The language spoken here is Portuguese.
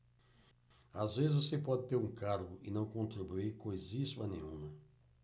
às vezes você pode ter um cargo e não contribuir coisíssima nenhuma